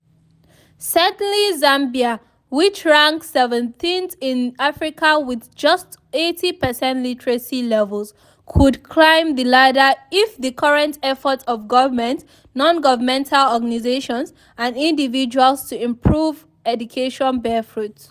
Certainly Zambia, which ranks 17th in Africa with just over 80 percent literacy levels, could climb the ladder if the current efforts of government, non-governmental organisations and individuals to improve education bear fruit.